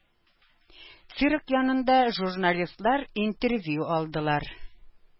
Цирк янында журналистлар интервью алдылар.